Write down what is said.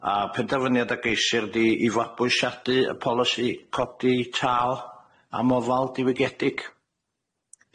a penderfyniad a geishir 'di i fabwyshiadu y polisi codi tâl am ofal diwygiedig.